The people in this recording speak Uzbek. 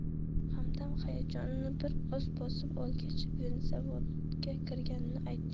hamdam hayajonini bir oz bosib olgach vinzavodga kirganini aytdi